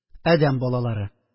АДӘМ БАЛАЛАРЫ